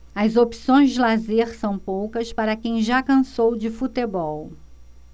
as opções de lazer são poucas para quem já cansou de futebol